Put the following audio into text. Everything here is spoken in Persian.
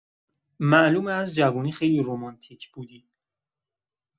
معلومه از جوونی خیلی رمانتیک بودی.